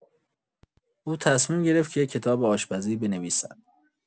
او تصمیم گرفت که یک کتاب آشپزی بنویسد.